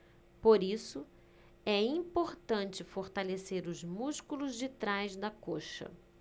por isso é importante fortalecer os músculos de trás da coxa